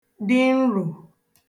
dị nrò